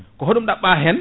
ko haɗum ɗaɓɓa hen